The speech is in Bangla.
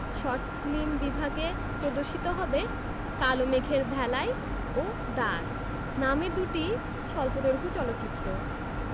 শর্ট ফিল্ম বিভাগে প্রদর্শিত হবে কালো মেঘের ভেলায় ও দাগ নামের দুটি স্বল্পদৈর্ঘ চলচ্চিত্র